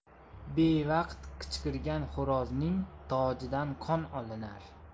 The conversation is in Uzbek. bevaqt qichqirgan xo'rozning tojidan qon olinar